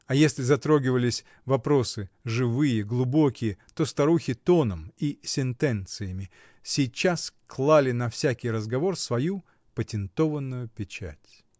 А если затрогивались вопросы живые, глубокие, то старухи тоном и сентенциями сейчас клали на всякий разговор свою патентованную печать.